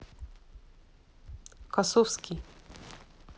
косовский